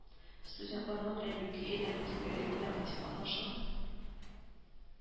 Студентларның Әллүки әдәби түгәрәгендә актив катнаша